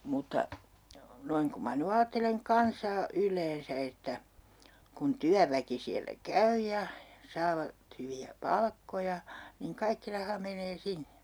mutta noin kun minä nyt ajattelen kansaa yleensä että kun työväki siellä käy ja saavat hyviä palkkoja niin kaikki raha menee sinne